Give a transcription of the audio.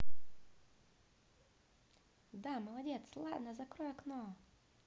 да молодец ладно закрой окно